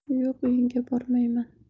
yo'q uyingga bormayman